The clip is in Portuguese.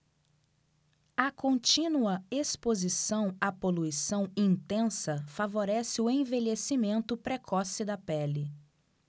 a contínua exposição à poluição intensa favorece o envelhecimento precoce da pele